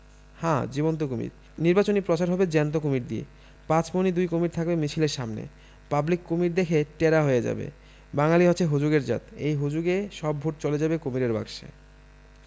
হ্যাঁ জীবন্ত কুমীর নির্বাচনী প্রচার হবে জ্যান্ত কুমীর দিয়ে পাঁচমণি দুই কুমীর থাকবে মিছিলের সামনে পাবলিক কুমীর দেখে ট্যারা হয়ে যাবে বাঙ্গালী হচ্ছে হুজুগের জাত এই হুজুগে সব ভোট চলে যাবে কুমীরের বাক্সে